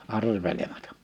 arvelematta